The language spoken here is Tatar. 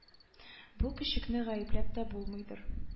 Бу көчекне гаепләп тә булмыйдыр